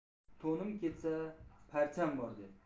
otim ketsa toycham bor to'nim ketsa parcham bor